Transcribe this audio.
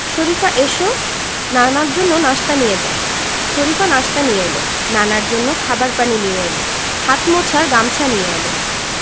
শরিফা এসো নানার জন্য নাশতা নিয়ে যাও শরিফা নাশতা নিয়ে এলো নানার জন্য খাবার পানি নিয়ে এলো হাত মোছার গামছা নিয়ে এলো